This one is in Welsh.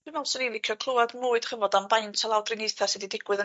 Dwi me'wl swn i'n licio clwad mwy 'dych ch'mod am faint o lawdriniaetha sy' 'di digwydd yn